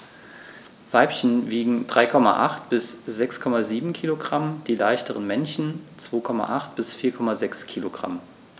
Weibchen wiegen 3,8 bis 6,7 kg, die leichteren Männchen 2,8 bis 4,6 kg.